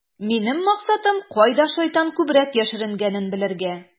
Минем максатым - кайда шайтан күбрәк яшеренгәнен белергә.